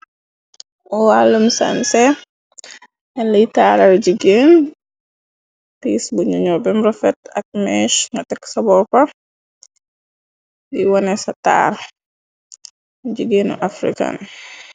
Walum sence inliy taaral jigeen pis bu ñu ñoo bem rofet ak meeg nga tek sa boopa di wone ca taar jigeenu afrikan.